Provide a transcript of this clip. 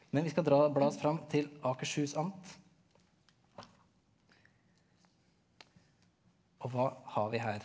men vi skal dra bla oss fram til Akershus amt og hva har vi her?